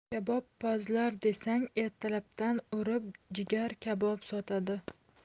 kabobpazlar desang ertalabdan urib jigar kabob sotadi